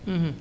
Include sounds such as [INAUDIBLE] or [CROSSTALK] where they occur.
[HESITATION] [HESITATION]